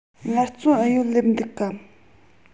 ངལ རྩོལ ཨུ ཡོན སླེབས འདུག གམ